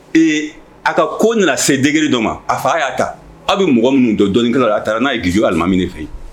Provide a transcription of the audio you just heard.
Ee a ka ko na se dg dɔ ma a fa a y'a ta aw bɛ mɔgɔ minnu don dɔɔninkɛla a taara n'a ye gese alimami fɛ yen